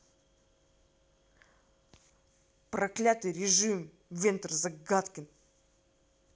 проклятый режим вентер загадкин